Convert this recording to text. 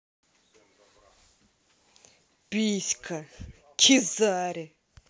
писька kizaru